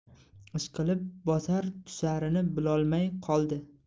ishqilib bosar tusarini bilolmay qoldi